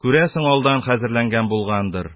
Күрәсең, алдан хәзерләнгән булгандыр.